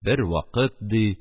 Бервакыт, ди,